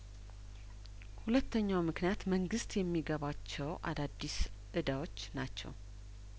ሁለተኛው ምክንያት መንግስት የሚገባቸው አዳዲስ እዳዎች ናቸው